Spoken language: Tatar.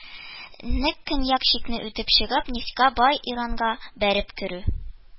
Нең көньяк чикне үтеп чыгып, нефтькә бай иранга бәреп керү